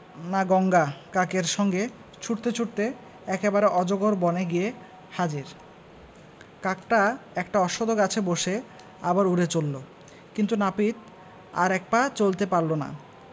না গঙ্গা কাকের সঙ্গে ছুটতে ছুটতে একেবারে অজগর বনে গিয়ে হাজির কাকটা একটা অশ্বখ গাছে বসে আবার উড়ে চলল কিন্তু নাপিত আর এক পা চলতে পারল না